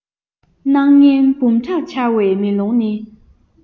སྣང བརྙན འབུམ ཕྲག འཆར བའི མེ ལོང ནི